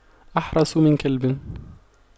أحرس من كلب